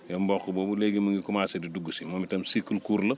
mboq boobu léegi mu ngi commencé di dugg si moom itam cycle court la